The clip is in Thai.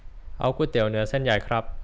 เอาก๋วยเตี๋ยวเนื้อเส้นใหญ่ครับ